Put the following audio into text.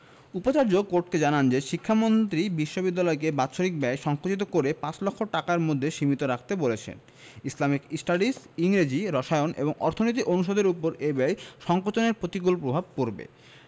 উপাচার্য কোর্টকে জানান যে শিক্ষামন্ত্রী বিশ্ববিদ্যালয়কে বাৎসরিক ব্যয় সংকুচিত করে পাঁচ লক্ষ টাকার মধ্যে সীমিত রাখতে বলেছেন ইসলামিক স্টাডিজ ইংরেজি রসায়ন এবং অর্থনীতি অনুষদের ওপর এ ব্যয় সংকোচনের প্রতিকূল প্রভাব পড়বে